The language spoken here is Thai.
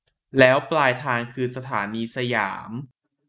แล้วปลายทางคือสถานีสยาม